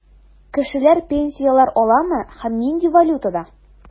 Кешеләр пенсияләр аламы һәм нинди валютада?